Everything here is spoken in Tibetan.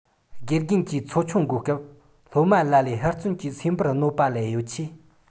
དགེ རྒན གྱིས ཚོ ཆུང བགོད སྐབས སློབ མ ལ ལའི ཧུར བརྩོན གྱི སེམས པར གནོད པ ལས གཡོལ ཆེད